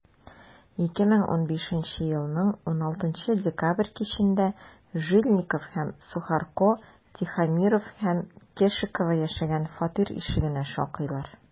2015 елның 16 декабрь кичендә жильников һәм сухарко тихомиров һәм кешикова яшәгән фатир ишегенә шакыйлар.